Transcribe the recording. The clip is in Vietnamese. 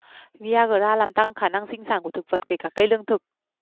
viagra làm tăng khả năng sinh sản của thực vật kể cả cây lương thực